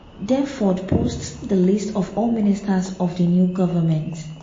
Denford posts the list of all ministers of the new government.